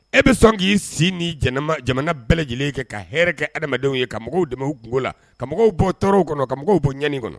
E bɛ san k'i si ni jamana bɛɛ lajɛlen kɛ ka hɛrɛ kɛ adamadenw ye ka mɔgɔw dɛmɛ kungo la ka mɔgɔw bɔ tɔɔrɔ kɔnɔ ka mɔgɔw bɔ ɲ kɔnɔ